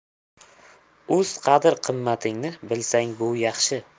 o'z qadr qimmatingni bilsang bu yaxshi